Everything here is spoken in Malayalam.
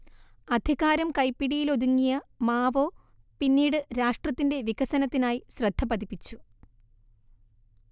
അധികാരം കൈപ്പിടിയിലൊതുങ്ങിയ മാവോ പിന്നീട് രാഷ്ട്രത്തിന്റെ വികസനത്തിനായി ശ്രദ്ധ പതിപ്പിച്ചു